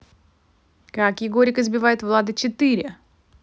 как егорик избивает влада четыре